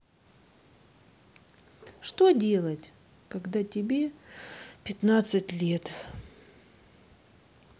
что делать когда тебе пятнадцать лет